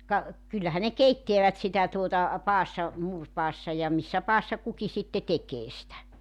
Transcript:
ka kyllähän ne keittävät sitä tuota padassa muuripadassa ja missä padassa kukin sitten tekee sitä